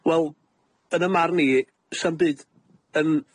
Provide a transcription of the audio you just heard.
Wel yn 'y marn i, sa'm byd yn